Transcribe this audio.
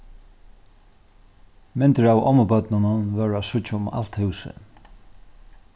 myndir av ommubørnunum vóru at síggja um alt húsið